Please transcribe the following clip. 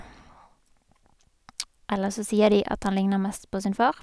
Ellers så sier de at han ligner mest på sin far.